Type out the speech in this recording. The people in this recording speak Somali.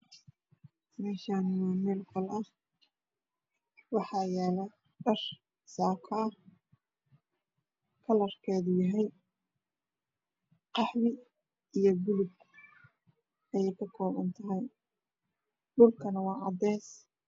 Meeshan waa meel qol ah waxaa yaalo dhar saako ah kalarkeedu yahay qaxwi iyo buluug ayay ka koobantahay dhulkana waa cadees